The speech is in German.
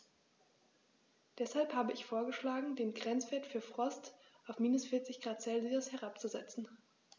Deshalb habe ich vorgeschlagen, den Grenzwert für Frost auf -40 ºC herabzusetzen.